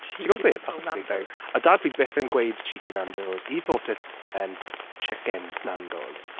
Ti’n gwybod beth... ...Oedd dad fi byth yn gweud cheeky Nando’s, he thought it meant chicken Nando’s.